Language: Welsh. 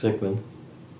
Segment?